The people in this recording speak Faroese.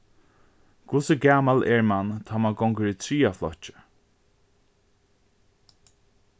hvussu gamal er mann tá mann gongur í triðja flokki